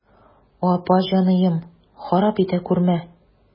Апа җаныем, харап итә күрмә.